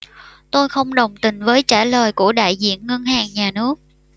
tôi không đồng tình với trả lời của đại diện ngân hàng nhà nước